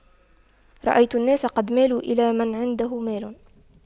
رأيت الناس قد مالوا إلى من عنده مال